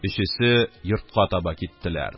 Өчесе йортка таба киттеләр.